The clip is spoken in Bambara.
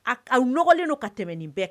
A k u nɔgɔlen don ka tɛmɛ nin bɛɛ